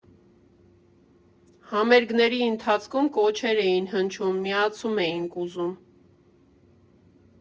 Համերգների ընթացքում կոչեր էին հնչում, «միացում» էինք ուզում։